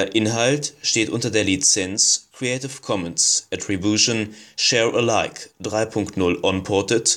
Inhalt steht unter der Lizenz Creative Commons Attribution Share Alike 3 Punkt 0 Unported